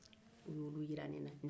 u y'olu jira ne na